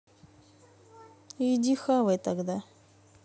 иди хавай тогда